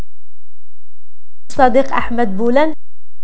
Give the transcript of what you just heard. صديق احمد